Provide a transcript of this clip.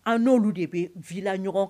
An n'olu de bɛ vilaɔgɔ